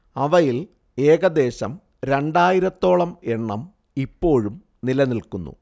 അവയിൽ ഏകദ്ദേശം രണ്ടായിരത്തോളം എണ്ണം ഇപ്പോഴും നിലനിൽക്കുന്നു